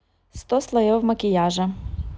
сто слоев макияжа